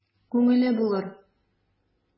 Күңеле булыр...